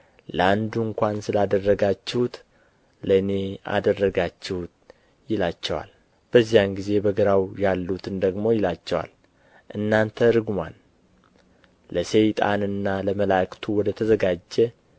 ለአንዱ እንኳ ስላደረጋችሁት ለእኔ አደረጋችሁት ይላቸዋል በዚያን ጊዜ በግራው ያሉትን ደግሞ ይላቸዋል እናንተ ርጉማን ለሰይጣንና ለመላእክቱ ወደ ተዘጋጀ